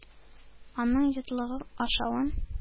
Аның йотлыгып ашавын,